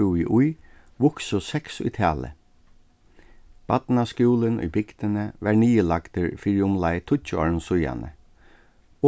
búðu í vuksu seks í tali barnaskúlin í bygdini varð niðurlagdur fyri umleið tíggju árum síðani